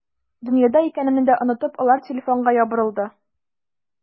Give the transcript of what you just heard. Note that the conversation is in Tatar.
Дөньяда икәнемне дә онытып, алар телефонга ябырылды.